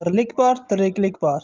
birlik bor tiriklik bor